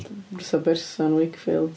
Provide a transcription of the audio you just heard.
Os 'na berson Wakefield?